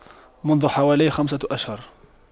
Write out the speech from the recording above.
منذ حوالي خمسة أشهر